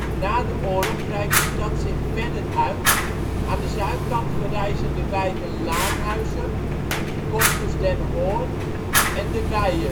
Na de oorlog breidt de stad zich verder uit. Aan de zuidkant verrijzen de wijken Laanhuizen, Corpus den Hoorn en De Wijert. De